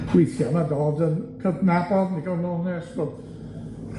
Weithia' ma' Dodd yn cydnabod yn ddigon onest bo'